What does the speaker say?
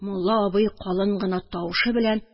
Мулла абый калын гына тавыш белән: